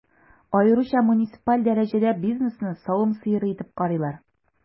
Аеруча муниципаль дәрәҗәдә бизнесны савым сыеры итеп карыйлар.